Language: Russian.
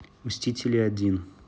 мстители один